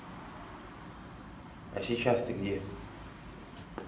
а сейчас ты где